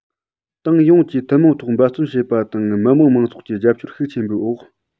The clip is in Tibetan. ཏང ཡོངས ཀྱིས ཐུན མོང ཐོག འབད བརྩོན བྱེད པ དང མི དམངས མང ཚོགས ཀྱིས རྒྱབ སྐྱོར ཤུགས ཆེན བྱེད པའི འོག